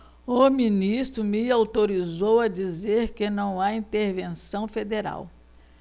o ministro me autorizou a dizer que não há intervenção federal